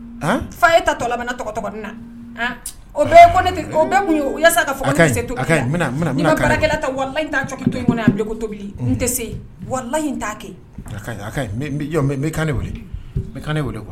Fa ye ta tɔ bɛ tɔgɔ tɔgɔ na o ye bɛ u ka fɔ ka se to talan cogo to kɔnɔ an bɛ ko tobili n tɛ se walala in t'a kɛ kan ne ne kuwa